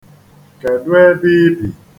Kedu ebe i bi?